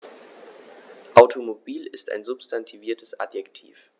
Automobil ist ein substantiviertes Adjektiv.